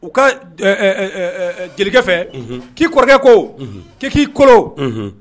U ka jelikɛ fɛ k'i kɔrɔkɛ ko k' k'i ko